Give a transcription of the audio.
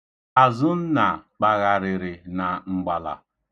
Azụnna kpagharịrị na mgbala.